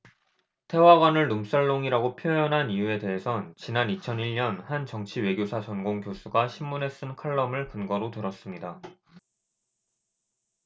태화관을 룸살롱이라고 표현한 이유에 대해선 지난 이천 일 년 한 정치외교사 전공 교수가 신문에 쓴 칼럼을 근거로 들었습니다